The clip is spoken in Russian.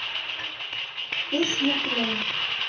песня клен